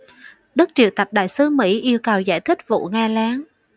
đức triệu tập đại sứ mỹ yêu cầu giải thích vụ nghe lén